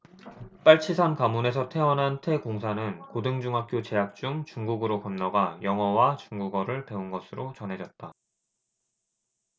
빨치산 가문에서 태어난 태 공사는 고등중학교 재학 중 중국으로 건너가 영어와 중국어를 배운 것으로 전해졌다